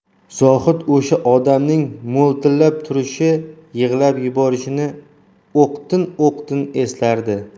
zohid o'sha odamning mo'ltillab turishi yig'lab yuborishini o'qtin o'qtin eslardi